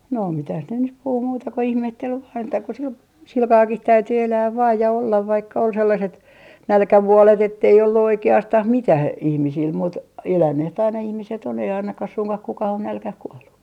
no mitä ne nyt puhui muuta kuin ihmetteli vain että kun - sillä kalellakin täytyi elää vain ja olla vaikka oli sellaiset nälkävuodet että ei ollut oikeastaan mitään ihmisillä - eläneet aina ihmiset on ei ainakaan suinkaan kukaan ole nälkään kuollut